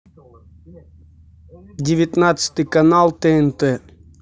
девятнадцатый канал тнт